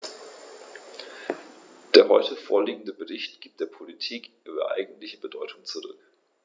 Der heute vorliegende Bericht gibt der Politik ihre eigentliche Bedeutung zurück.